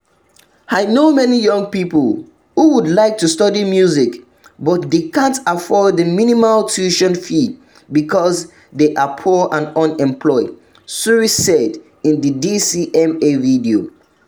I know many young people who would like to study music but they can’t afford the minimal tuition fee because they are poor and unemployed, Surri said in the DCMA video.